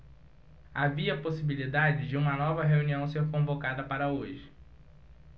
havia possibilidade de uma nova reunião ser convocada para hoje